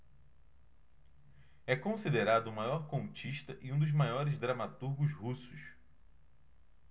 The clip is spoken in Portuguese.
é considerado o maior contista e um dos maiores dramaturgos russos